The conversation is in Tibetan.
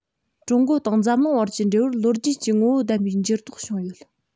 ཀྲུང གོ དང འཛམ གླིང བར གྱི འབྲེལ བར ལོ རྒྱུས ཀྱི ངོ བོ ལྡན པའི འགྱུར ལྡོག བྱུང ཡོད